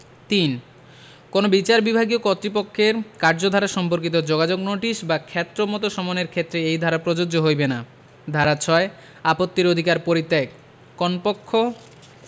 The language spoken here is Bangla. ৩ কোন বিচার বিভাগীয় কর্তৃপক্ষের কার্যধারা সম্পর্কিত যোগাযোগ নোটিশ বা ক্ষেত্রমত সমনের ক্ষেত্রে এই ধারা প্রযোজ্য হইবে না ধারা ৬ আপত্তির অধিকার পরিত্যাগঃ কোন পক্ষ